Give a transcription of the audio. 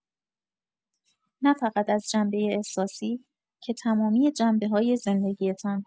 نه‌فقط از جنبه احساسی، که تمامی جنبه‌های زندگی‌تان.